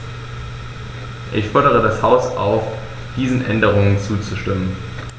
Ich fordere das Haus auf, diesen Änderungen zuzustimmen.